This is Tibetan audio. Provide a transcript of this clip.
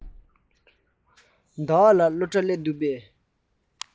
ཟླ བ ལགས སློབ གྲྭར སླེབས འདུག གས